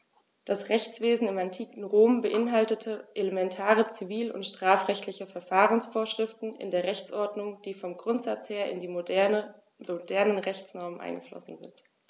Das Rechtswesen im antiken Rom beinhaltete elementare zivil- und strafrechtliche Verfahrensvorschriften in der Rechtsordnung, die vom Grundsatz her in die modernen Rechtsnormen eingeflossen sind.